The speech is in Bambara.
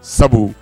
Sabu